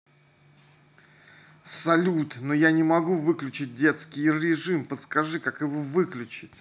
салют но я не могу выключить детский режим подскажи как его выключить